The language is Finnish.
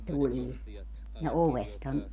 tulee ja ovestahan